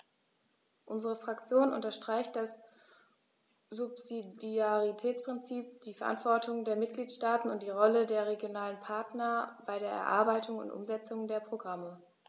Unsere Fraktion unterstreicht das Subsidiaritätsprinzip, die Verantwortung der Mitgliedstaaten und die Rolle der regionalen Partner bei der Erarbeitung und Umsetzung der Programme.